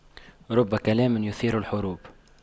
رب كلام يثير الحروب